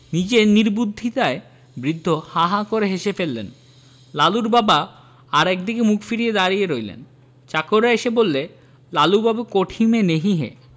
নিজের নির্বুদ্ধিতায় বৃদ্ধ হাঃ হাঃ করে হেসে ফেললেন লালুর বাবা আর একদিকে মুখ ফিরিয়ে দাঁড়িয়ে রইলেন চাকররা এসে বললে লালুবাবু কোঠি মে নহি হ্যায়